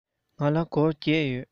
ང ལ སྒོར བརྒྱད ཡོད